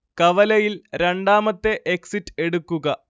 കവലയിൽ രണ്ടാമത്തെ എക്സിറ്റ് എടുക്കുക